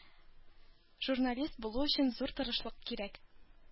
Журналист булу өчен зур тырышлык кирәк.